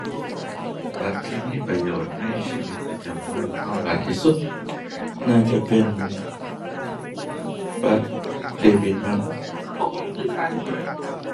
อันที่มีประโยชน์ในชีวิตประจำวันเราได้ที่สุด น่าจะเป็น บัตรเดบิตมั้ง โอ้ เขาเราบ่มา